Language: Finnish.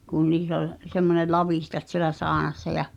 kun niissä oli semmoinen lavitsat siellä saunassa ja